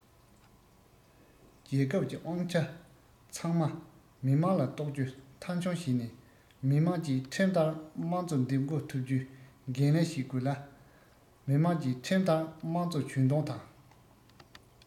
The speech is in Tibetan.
རྒྱལ ཁབ ཀྱི དབང ཆ ཚང མ མི དམངས ལ གཏོགས རྒྱུ མཐའ འཁྱོངས བྱས ནས མི དམངས ཀྱིས ཁྲིམས ལྟར དམངས གཙོ འདེམས བསྐོ ཐུབ རྒྱུའི འགན ལེན བྱེད དགོས ལ མི དམངས ཀྱིས ཁྲིམས ལྟར དམངས གཙོ ཇུས འདོན དང